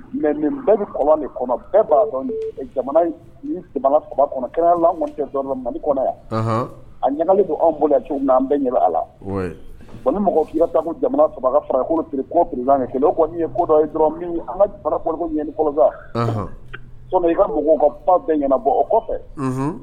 Mɛ nin bɛɛ kɔ kɔnɔ b' jamana kɔ kɔnɔ yan a ɲagaga don an bolo cogo an bɛɛ a la ni mɔgɔ k'i da jamana saba fara pere kɔ pz kelen dɔrɔn an ka bara ɲani kɔ i ka mɔgɔw ka pan bɛɛ ɲɛna bɔ o kɔfɛ